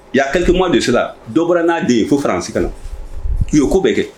Y'a hakilitumama deso la dɔ bɔra n'a de ye fo fararansi ka k u' ye ko bɛ kɛ